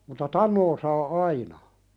mutta tanoa saa aina